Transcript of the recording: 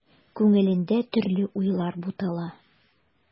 Күңелендә төрле уйлар бутала.